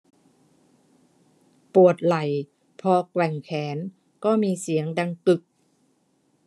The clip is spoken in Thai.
ปวดไหล่พอแกว่งแขนก็มีเสียงดังกึก